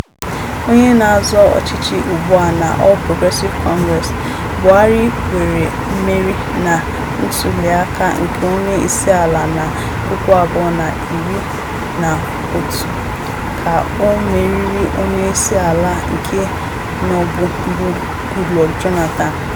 Onye na-azọ ọchịchị ugbu a na All Progressive Congress, Buhari nwere mmeri na ntụliaka nke onye isi ala na 2011 ka o meriri onye isi ala nke nọbu bụ Goodluck Jonathan.